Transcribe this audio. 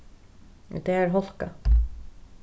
í dag er hálka